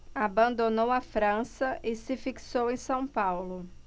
abandonou a frança e se fixou em são paulo